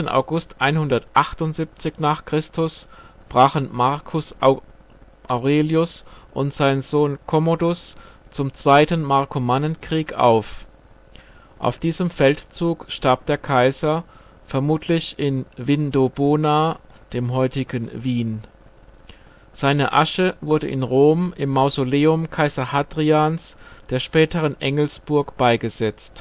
August 178 brachen Marcus Aurelius und sein Sohn Commodus zum zweiten Markomannenkrieg auf. Auf diesem Feldzug starb der Kaiser, vermutlich in Vindobona (dem heutigen Wien). Seine Asche wurde in Rom im Mausoleum Kaiser Hadrians, der späteren Engelsburg beigesetzt